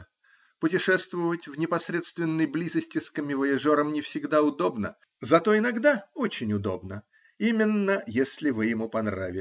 Путешествовать в непосредственной близости с коммивояжером не всегда удобно, зато иногда очень удобно -- именно, если вы ему понравились.